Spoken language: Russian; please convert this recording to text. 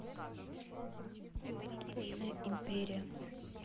подпольная империя